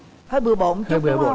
hơi bừa bộn chút đúng hông